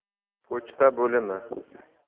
pochta bo'limi